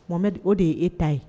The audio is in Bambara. Mɔ o de yee ta ye